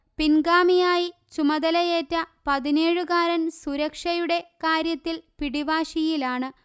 പിൻ ഗാമിയായി ചുമതലയേറ്റ പതിനേഴുകാരൻ സുരക്ഷയുടെ കാര്യത്തിൽ പിടിവാശിയിലാണ്